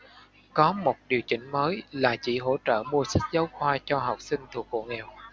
có một điều chỉnh mới là chỉ hỗ trợ mua sách giáo khoa cho học sinh thuộc hộ nghèo